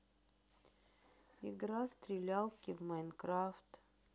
игра стрелялки в майнкрафт